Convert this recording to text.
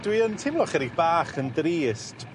dwi yn teimlo chydig bach yn drist